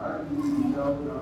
A sigi'